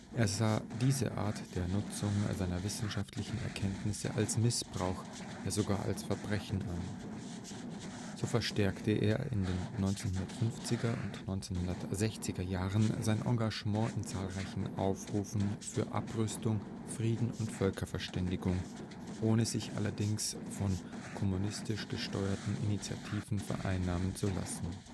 Er sah diese Art der Nutzung seiner wissenschaftlichen Erkenntnisse als Missbrauch, ja sogar als Verbrechen an. So verstärkte er in den 1950er und 1960er Jahren sein Engagement in zahlreichen Aufrufen für Abrüstung, Frieden und Völkerverständigung, ohne sich allerdings von kommunistisch gesteuerten Initiativen vereinnahmen zu lassen